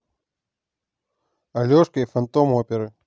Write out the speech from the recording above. алешка и фантом оперы